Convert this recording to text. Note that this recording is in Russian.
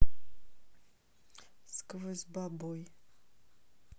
сквозь баб ой